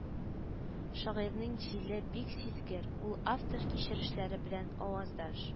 Шагыйрьнең җиле бик сизгер, ул автор кичерешләре белән аваздаш